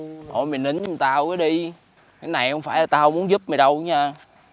thôi mày nín giùm tao cái đi cái này hông phải là tao không muốn giúp mày đâu á nha